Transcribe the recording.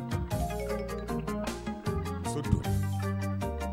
Maa